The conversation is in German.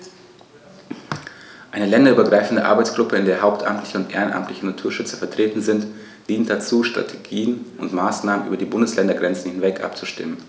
Eine länderübergreifende Arbeitsgruppe, in der hauptamtliche und ehrenamtliche Naturschützer vertreten sind, dient dazu, Strategien und Maßnahmen über die Bundesländergrenzen hinweg abzustimmen.